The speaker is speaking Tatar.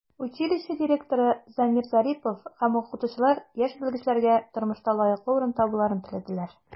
Училище директоры Замир Зарипов һәм укытучылар яшь белгечләргә тормышта лаеклы урын табуларын теләделәр.